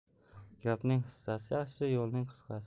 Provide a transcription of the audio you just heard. gapning hissasi yaxshi yo'lning qisqasi